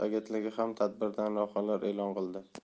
agentligi ham tadbirdan lavhalar e'lon qildi